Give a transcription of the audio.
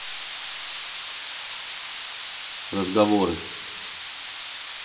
разговоры